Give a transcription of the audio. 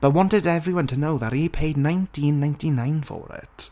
but wanted everyone to know that he paid nineteen ninety-nine for it.